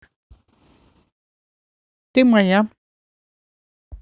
ты моя